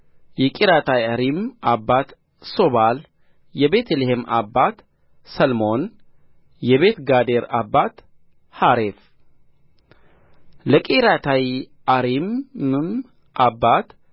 የቂርያትይዓሪም አባት ሦባል የቤተ ልሔም አባት ሰልሞን የቤት ጋዴር አባት ሐሬፍ ለቂርያትይዓሪምም አባት